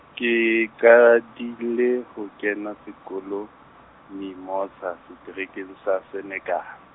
ke qadile ho kena sekolo Mimosa, seterekeng sa Senekal.